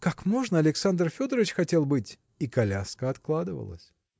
– Как можно: Александр Федорыч хотел быть. И коляска откладывалась.